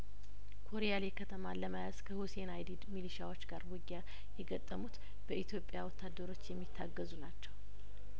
ኮርያሌ ከተማን ለመያዝ ከሁሴን አይዲድ ሚሊሺያዎች ጋር ውጊያ የገጠሙት በኢትዮጵያ ወታደሮች የሚታገዙ ናቸው